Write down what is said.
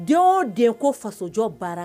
Den o de ko fasojɔ baara